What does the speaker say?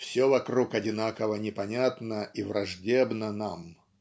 Все вокруг одинаково непонятно и враждебно нам".